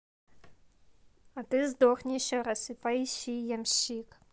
а ты сдохни еще раз и поищи ямщик